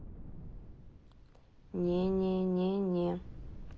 не не не не не